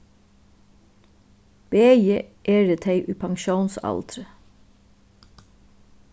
bæði eru tey í pensjónsaldri